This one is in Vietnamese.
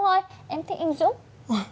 rồi em thích anh dũng